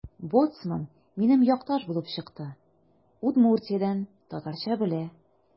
Боцман минем якташ булып чыкты: Удмуртиядән – татарча белә.